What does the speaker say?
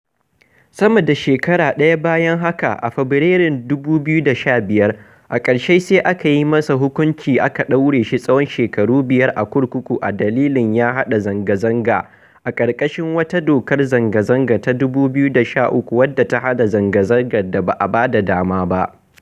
Sama da shekara ɗaya bayan hakan, a Fabarairun 2015, a ƙarshe sai aka yi masa hukunci aka ɗaure shi tsawon shekaru biyar a kurkuku a dalilin ya "haɗa" zanga-zanga a ƙarƙashin wata dokar zanga-zanga ta 2013 wadda ta hana zanga-zangar da ba a bayar da dama ba.